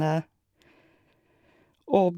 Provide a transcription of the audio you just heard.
Og...